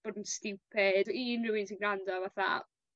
bod yn stupid i unryw un sy'n gwrando fatha